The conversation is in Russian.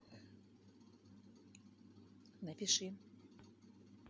напиши